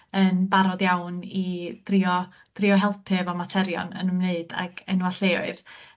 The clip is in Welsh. yn barod iawn i drio drio helpu efo materion yn ymwneud ag enwa' lleoedd.